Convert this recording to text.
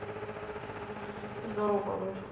здорово подружка